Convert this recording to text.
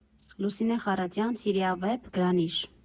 Լուսինե Խառատյան «Սիրիավեպ», Գրանիշ։